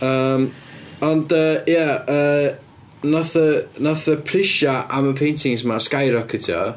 Yym ond yy ie yy, wnaeth y- wneath y prisiau am y paintings yma skyrocketio...